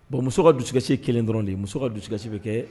Bon muso ka dususɛse kelen dɔrɔn de ye muso ka dususɛ bɛ kɛ